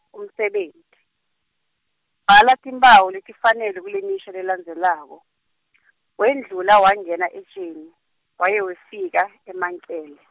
umsebenti, bhala timphawu letifanele kulemisho lelandzelako , wendlula wangena etjeni, waye wefika, eMankele.